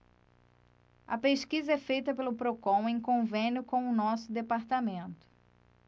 a pesquisa é feita pelo procon em convênio com o diese